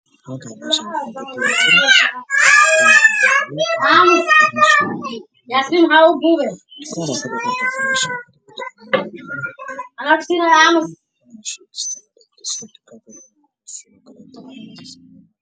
Meeshaan waa meel qol ah oo ka sameysan muraayad kaligiis yahay cagaar wuxuu leeyahay albaabkiisa waa gudud